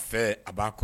Fɛ a b'a kɔ